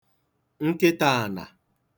nkịtāànà